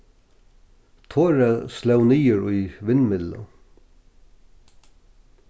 tora sló niður í vindmyllu